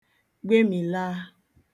gwemìlaa